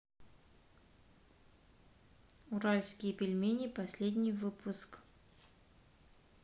уральские пельмени последний выпуск